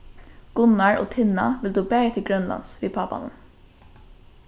gunnar og tinna vildu bæði til grønlands við pápanum